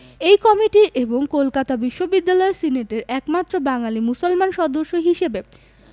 এই কমিটির এবং কলকাতা বিশ্ববিদ্যালয় সিনেটের একমাত্র বাঙালি মুসলমান সদস্য হিসেবে